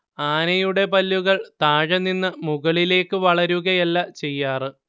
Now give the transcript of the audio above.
ആനയുടെ പല്ലുകൾ താഴെനിന്നു മുകളിലേക്ക് വളരുകയല്ല ചെയ്യാറ്